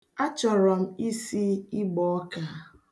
Achọrọ m isi ịgbọọka.